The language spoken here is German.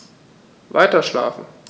Weiterschlafen.